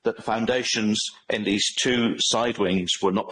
that the foundations in these two side wings were not